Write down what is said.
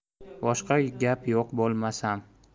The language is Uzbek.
boshqa gap yo'q bo'lmasam